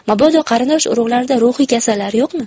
mabodo qarindosh urug'larida ruhiy kasallar yo'qmi